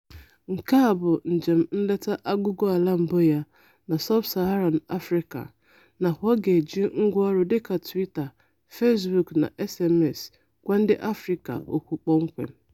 Nke a ga-abụ njem nleta aguguala mbụ ya na Sub-Saharan Africa nakwa ọ ga-eji ngwaọrụ dịka Twitter, Facebook na SMS gwa ndị Afrịka okwu kpọmkwem.